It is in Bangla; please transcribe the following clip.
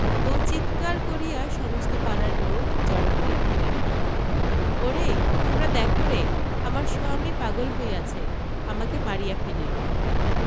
বউ চিৎকার করিয়া সমস্ত পাড়ার লোক জড় করিয়া ফেলিল ওরে তোমরা দেখরে আমার সোয়ামী পাগল হইয়াছে আমাকে মারিয়া ফেলিল